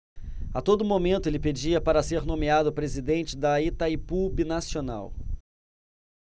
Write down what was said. a todo momento ele pedia para ser nomeado presidente de itaipu binacional